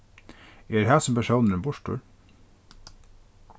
er hasin persónurin burtur